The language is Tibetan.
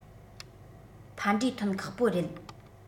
ཕན འབྲས ཐོན ཁག པོ རེད